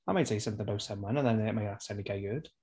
I might say something about someone, and then it might accidentally get heard.